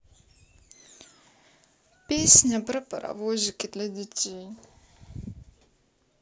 песня про паровозики для детей